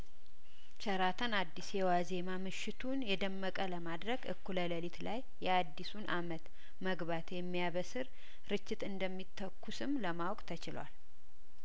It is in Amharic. ቸራተን አዲስ የዋዜማ ምሽቱን የደመቀ ለማድረግ እኩለሌሊት ላይ የአዲስ አመትን መግባት የሚያበስር ርችት እንደሚተኩስም ለማወቅ ተችሏል